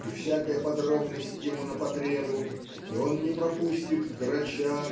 и всякая подробность ему на потребу и он не пропустит грача